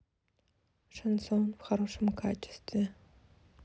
шансон в хорошем качестве